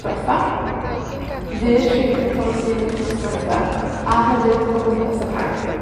dwetha. Fuesh i yn y Colosseum wythnos dwetha, a hefyd o gwmpas y parc.